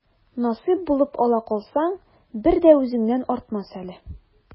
Насыйп булып ала калсаң, бер дә үзеңнән артмас әле.